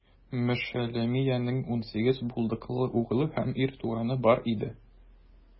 Мешелемиянең унсигез булдыклы углы һәм ир туганы бар иде.